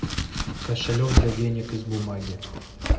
кошелек для денег из бумаги